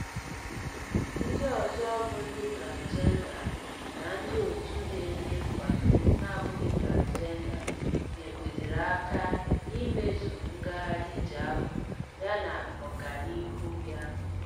Sathi Foundation bụ òtù nke ndị transịjenda na-eduzi na-arụ ọrụ maka ọdịmma nke ọha ndị transịjenda na Pakistan.